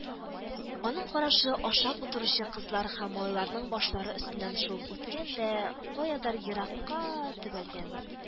Аның карашы ашап утыручы кызлар һәм малайларның башлары өстеннән шуып үткән дә, каядыр еракка төбәлгән